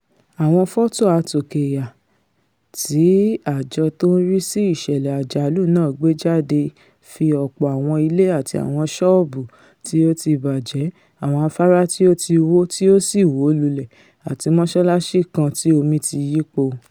Àwọn fọ́tò àtòkèya tí àjọ tó ńrísí ìṣẹ̀lẹ àjálù náà gbéjáde fi ọ̀pọ̀ àwọn ilé àti àwọn sọ́ọ̀bù tí o ti bàjẹ́, àwọn afárá tí ó ti wọ́ tí ó sì wọ́ lulẹ̀ àti mọ́sálásí kan tí omi ti yípo.